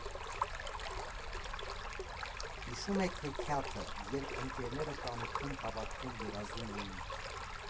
Հիշո՞ւմ եք հեքիաթը, երբ ընկերները տանիքում հավաքվում երազում էին։